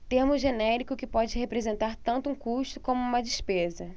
termo genérico que pode representar tanto um custo como uma despesa